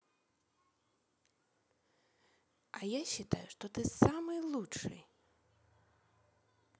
а я считаю что ты самый лучший